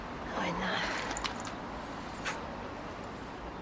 O ynna.